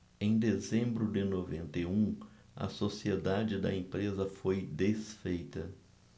em dezembro de noventa e um a sociedade da empresa foi desfeita